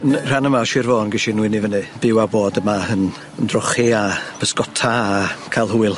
N- rhan yma o Sir Fôn ges i nwyn i fyny byw a bod yma yn yn trochi a bysgota a ca'l hwyl.